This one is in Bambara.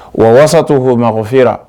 Wa walasasa' fo bamakɔ fɛ